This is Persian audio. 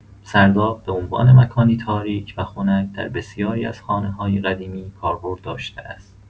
سرداب به عنوان مکانی تاریک و خنک در بسیاری از خانه‌های قدیمی کاربرد داشته است.